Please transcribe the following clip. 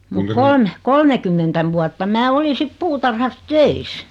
mutta kolme kolmekymmentä vuotta minä olin sitten puutarhassa töissä